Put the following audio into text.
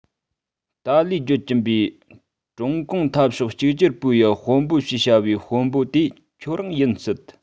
ཏཱ ལའི བརྗོད ཀྱིན པའི ཀྲུང གུང འཐབ ཕྱོགས གཅིག གྱུར པུའུ ཡི དཔོན པོ ཞེས བྱ བའི དཔོན པོ དེ ཁྱེད རང ཡིན སྲིད